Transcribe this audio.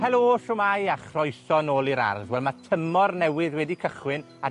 Helo, shwmai, a chroeso nôl i'r ardd. Wel ma' tymor newydd wedi cychwyn, a